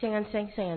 55 55 50